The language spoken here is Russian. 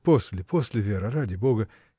— После, после, Вера: ради Бога!